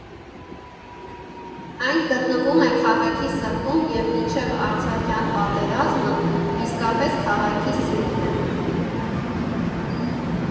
Այն գտնվում է քաղաքի սրտում և մինչև արցախյան պատերազմն իսկապես քաղաքի սիրտն էր։